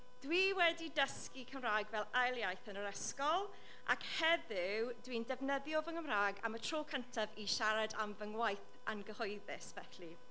Dw i wedi dysgu Cymraeg fel ail iaith yn yr ysgol ac heddiw dw i'n defnyddio fy Nghymraeg am y tro cyntaf i siarad am fy ngwaith yn gyhoeddus felly.